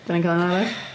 Ydan ni'n cael un arall.